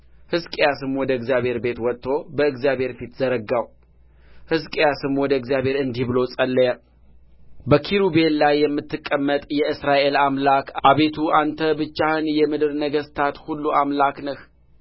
ሕዝቅያስም ወደ እግዚአብሔር ቤት ወጥቶ በእግዚአብሔር ፊት ዘረጋው ሕዝቅያስም ወደ እግዚአብሔር እንዲህ ብሎ ጸለየ በኪሩቤል ላይ የምትቀመጥ የእስራኤል አምላክ አቤቱ አንተ ብቻህን የምድር ነገሥታት ሁሉ አምላክ ነህ